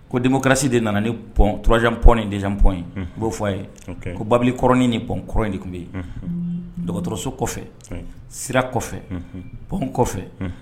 Ko denrasi de nana niɔnurajanpɔn ni dezpɔn u b'o fɔ'a ye ko babiliɔrɔnin ni bɔnkɔrɔn in de tun bɛ yen dɔgɔtɔrɔso kɔfɛ sira kɔfɛɔɔn kɔfɛ